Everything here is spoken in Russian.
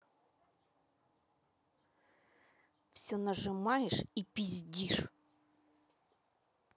все нажимаешь и пиздишь